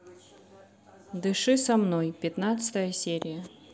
дыши со мной пятнадцатая серия